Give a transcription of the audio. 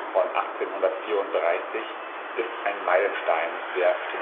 von 1834 ist ein Meilenstein der